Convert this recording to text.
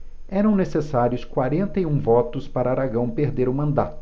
eram necessários quarenta e um votos para aragão perder o mandato